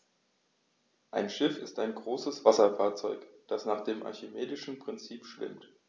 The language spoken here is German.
Ein Schiff ist ein größeres Wasserfahrzeug, das nach dem archimedischen Prinzip schwimmt.